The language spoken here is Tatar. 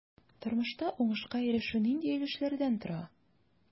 Тормышта уңышка ирешү нинди өлешләрдән тора?